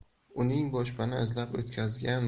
uning boshpana izlab o'tkazgan